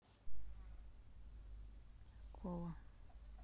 кола